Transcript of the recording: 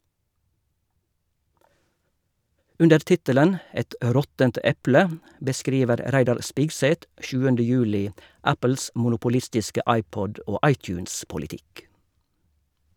Under tittelen "Et råttent eple" beskriver Reidar Spigseth 7. juli Apples monopolistiske iPod- og iTunes-politikk.